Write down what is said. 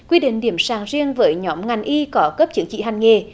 quy định điểm sàn riêng với nhóm ngành y có cấp chứng chỉ hành nghề